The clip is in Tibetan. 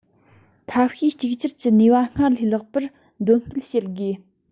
འཐབ ཕྱོགས གཅིག གྱུར གྱི ནུས པ སྔར ལས ལྷག པར འདོན སྤེལ བྱེད དགོས